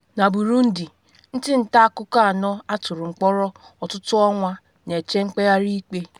Na Burundi, ndị nta akụkọ anọ a tụrụ mkpọrọ ọtụtụ ọnwa na-eche mkpegharị ikpe